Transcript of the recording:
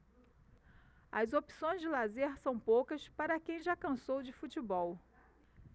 as opções de lazer são poucas para quem já cansou de futebol